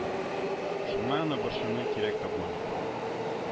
Шуңа аны борчуны кирәк тапмадык